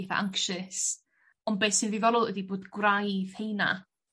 Eitha anxious ond beth sy'n ddiddorol ydi bod gwraidd 'heina